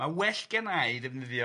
Ma' well genna i ddefnyddio.